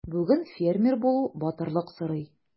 Бүген фермер булу батырлык сорый.